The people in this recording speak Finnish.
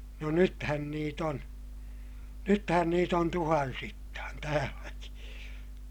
no nythän niitä on nythän niitä on tuhansittain täälläkin